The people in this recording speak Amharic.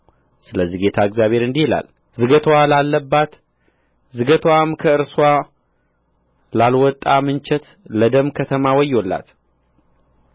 ስለዚህ ጌታ እግዚአብሔር እንዲህ ይላል ዝገትዋ ላለባት ዝገትዋም ከእርስዋ ላልወጣ ምንቸት ለደም ከተማ ወዮላት